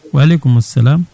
wa aleykumu salam